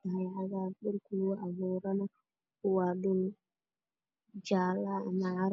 tahay cagaar